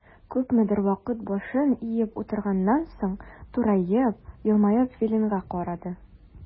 Күпмедер вакыт башын иеп утырганнан соң, тураеп, елмаеп Виленга карады.